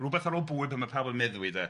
Rywbeth ar ôl bwyd pan ma' pawb yn meddwi de.